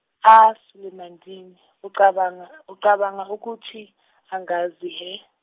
ah silima ndini, ucabanga, ucabanga ukuthi angazi hhe?